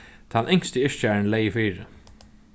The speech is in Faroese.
tann yngsti yrkjarin legði fyri